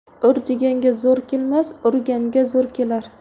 ur deganga zo'r kelmas urganga zo'r kelar